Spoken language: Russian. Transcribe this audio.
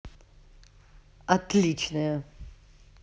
отличная